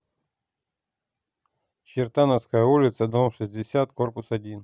чертановская улица дом шестнадцать корпус один